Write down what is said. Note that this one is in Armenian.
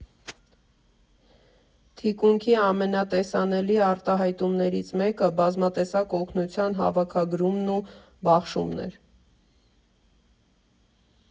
Թիկունքի ամենատեսանելի արտահայտումներից մեկը բազմատեսակ օգնության հավաքագրումն ու բաշխումն էր։